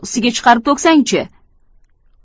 ustiga chiqarib to'ksang chi